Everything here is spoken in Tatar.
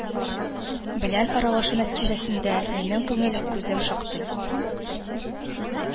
Белән аралашу нәтиҗәсендә минем күңел күзем шактый